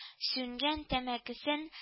Сүнгән тәмәкесен